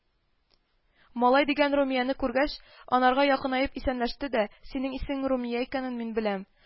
Малай дигән Румияне күргәч анарга якынаеп исәнләштедә, синең исемең Румия икәнен мин беләм